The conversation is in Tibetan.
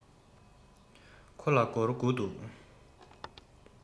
ཁོ ལ སྒོར དགུ འདུག